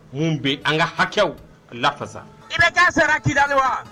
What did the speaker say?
Mun bɛ an ka hakɛw lafa, IBK sera Kidali wa